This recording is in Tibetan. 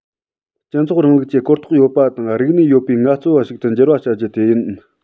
སྤྱི ཚོགས རིང ལུགས ཀྱི གོ རྟོགས ཡོད པ དང རིག གནས ཡོད པའི ངལ རྩོལ པ ཞིག ཏུ འགྱུར བར བྱ རྒྱུ དེ ཡིན